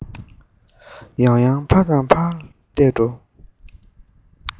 ཡང ཡང ཕར དང ཕར ལ བདས འགྲོ